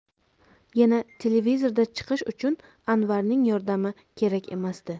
yana televizorda chiqish uchun anvarning yordami kerak emasdi